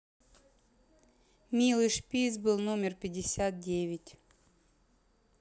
милый шпиц был номер пятьдесят девять